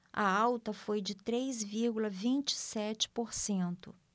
a alta foi de três vírgula vinte e sete por cento